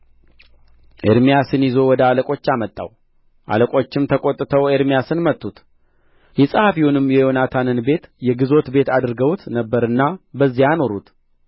ኤርምያስን ይዞ ወደ አለቆች አመጣው አለቆችም ተቈጥተው ኤርምያስን መቱት የጸሐፊውንም የዮናታንን ቤት የግዞት ቤት አድርገውት ነበርና በዚያ አኖሩት